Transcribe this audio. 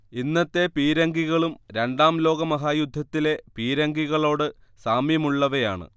ഇന്നത്തെ പീരങ്കികളും രണ്ടാം ലോകമഹായുദ്ധത്തിലെ പീരങ്കികളോട് സാമ്യമുള്ളവയാണ്